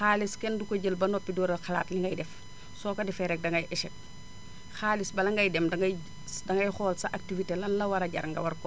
xaalis kenn du ko jël ba noppi door a xalaat li ngay def soo ko defee rek dangay échec xaalis bala ngay dem dangay dangay xool sa activité lan la war a jar nga war koo